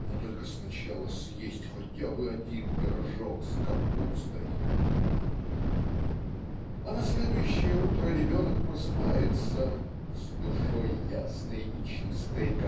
но только сначала съесть хотя бы один пирожок с капустой!" А на следующее утро ребенок просыпается "с душой ясной и чистой